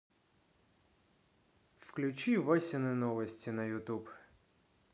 включи васины новости на ютуб